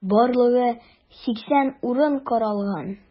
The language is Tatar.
Барлыгы 80 урын каралган.